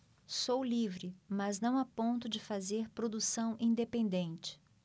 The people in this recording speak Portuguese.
sou livre mas não a ponto de fazer produção independente